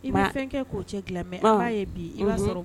I bɛ fɛn kɛ k'o cɛ dilan i b'a ye bi ia